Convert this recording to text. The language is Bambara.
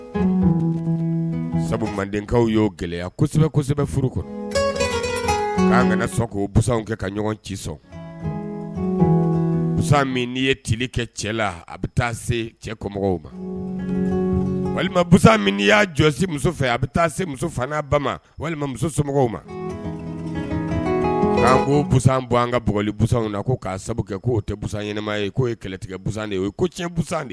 Sabu mandekaw gɛlɛya k' ka'i ye ti kɛ cɛ la a bɛ taa semɔgɔw ma walimasa i y'a jɔsi muso fɛ a bɛ taa se muso ba ma walima musomɔgɔw ma' ko busan bɔ an ka bɔsan na k'a sababu kɛ k o tɛsanma ye'o ye kɛlɛtigɛ busan de ye cɛnsan ye